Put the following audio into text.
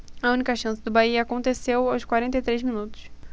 a única chance do bahia aconteceu aos quarenta e três minutos